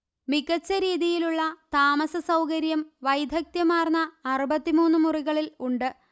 മികച്ച രീതിയിലുള്ള താമസസൌകര്യം വൈദഗ്ദ്യമാർന്ന അറുപത്തി മൂന്ന്മുറികളിൽ ഉണ്ട്